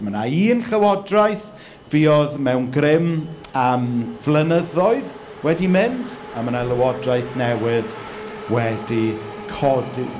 Ma' ’na un llywodraeth fuodd mewn grym am flynyddoedd wedi mynd a ma' ’na lywodraeth newydd wedi codi.